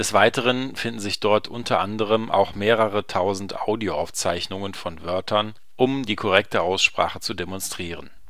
Weiteren finden sich dort unter anderem auch mehrere tausend Audioaufzeichnungen von Wörtern, um die korrekte Aussprache zu demonstrieren